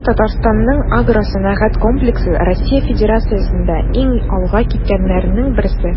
Бүген Татарстанның агросәнәгать комплексы Россия Федерациясендә иң алга киткәннәрнең берсе.